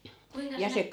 kuinkas -